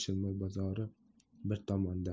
shirmoy bozor bir tomonda